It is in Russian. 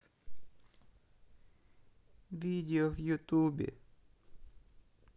видео в ютубе